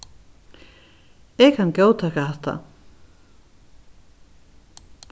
eg kann góðtaka hatta